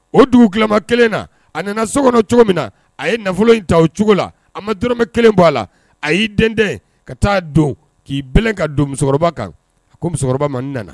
O duguma kelen na a nana so kɔnɔ cogo min na a ye nafolo in ta o cogo la a ma dmɛ kelen bɔ a la a y'i den ka taa don k'i ka don musokɔrɔba kan ko musokɔrɔba man nana